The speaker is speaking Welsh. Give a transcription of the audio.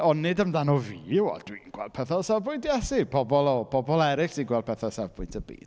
Ond nid amdano fi! Wel dwi'n gweld pethau o safbwynt Iesu, pobl o... pobl eraill sy'n gweld pethau o safbwynt y byd.